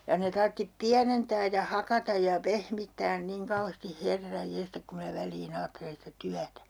ja ne tarvitsi pienentää ja hakata ja pehmittää niin kauheasti herran jestas kun minä väliin ajattelen sitä työtä